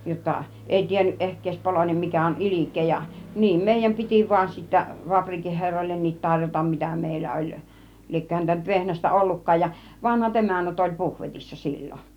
jotta ei tiennyt ehkä ei poloinen mikä on ilkeä ja niin meidän piti vain sitten fapriikin herroillekin tarjota mitä meillä oli liekö häntä nyt vehnästä ollutkaan ja vanhat emännät oli puhvetissa silloin